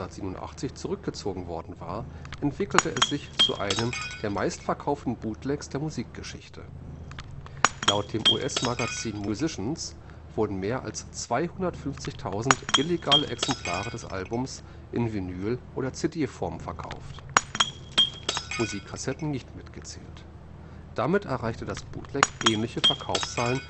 1987 zurückgezogen worden war, entwickelte es sich zu einem der meistverkauften Bootlegs der Musikgeschichte. Laut dem US-Magazin Musicians wurden mehr als 250.000 illegale Exemplare des Albums in Vinyl - oder CD-Form verkauft, Musikkassetten nicht mitgezählt. Damit erreichte das Bootleg ähnliche Verkaufszahlen